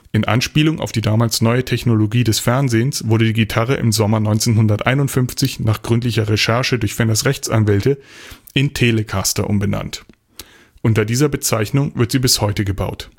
In Anspielung auf die damals neue Technologie des Fernsehens wurde die Gitarre im Sommer 1951 nach gründlicher Recherche durch Fenders Rechtsanwälte in Telecaster umbenannt. Unter dieser Bezeichnung wird sie bis heute gebaut